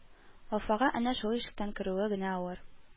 Вафага әнә шул ишектән керүе генә авыр